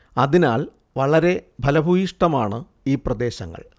അതിനാൽ വളരെ ഫലഭൂയിഷ്ടമാണ് ഈ പ്രദേശങ്ങൾ